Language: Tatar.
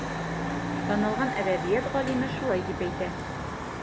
Танылган әдәбият галиме шулай дип әйтә.